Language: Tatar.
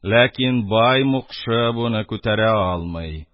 Ләкин бай мукшы буны күтәрә алмый,